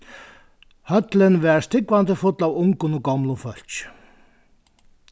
høllin var stúgvandi full av ungum og gomlum fólki